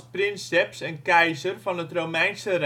princeps en keizer van het Romeinse